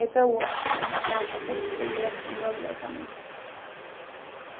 tey bóðu okkum um at lata upp fyri hesum møguleikanum